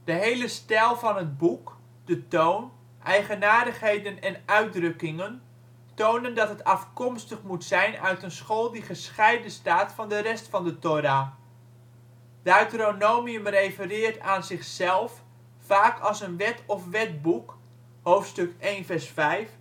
hele stijl van het boek, de toon, eigenaardigheden en uitdrukkingen, tonen dat het afkomstig moet zijn uit een school die gescheiden staat van de rest van de Thora. Deuteronomium refereert aan zich zelf vaak als een wet of wetboek (hoofdstuk 1:5; 27:3; 31:26), gescheiden